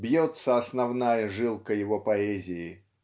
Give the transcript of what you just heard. бьется основная жилка его поэзии.